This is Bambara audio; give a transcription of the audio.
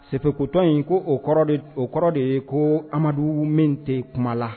Sefekutɔ in ko o kɔrɔ o kɔrɔ de ye ko amadu min tɛ kuma la